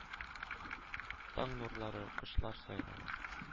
Таң нурлары, кошлар сайравы.